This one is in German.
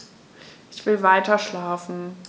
Ich will weiterschlafen.